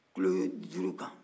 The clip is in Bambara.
kulo duuru kan